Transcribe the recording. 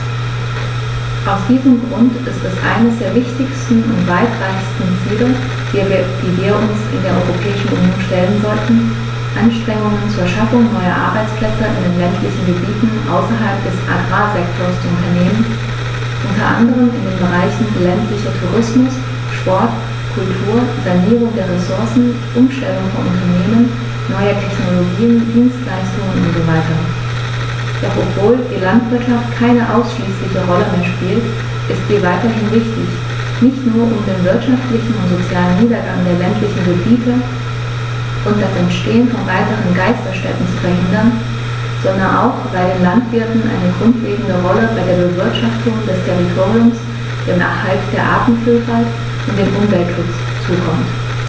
Aus diesem Grund ist es eines der wichtigsten und weitreichendsten Ziele, die wir uns in der Europäischen Union stellen sollten, Anstrengungen zur Schaffung neuer Arbeitsplätze in den ländlichen Gebieten außerhalb des Agrarsektors zu unternehmen, unter anderem in den Bereichen ländlicher Tourismus, Sport, Kultur, Sanierung der Ressourcen, Umstellung von Unternehmen, neue Technologien, Dienstleistungen usw. Doch obwohl die Landwirtschaft keine ausschließliche Rolle mehr spielt, ist sie weiterhin wichtig, nicht nur, um den wirtschaftlichen und sozialen Niedergang der ländlichen Gebiete und das Entstehen von weiteren Geisterstädten zu verhindern, sondern auch, weil den Landwirten eine grundlegende Rolle bei der Bewirtschaftung des Territoriums, dem Erhalt der Artenvielfalt und dem Umweltschutz zukommt.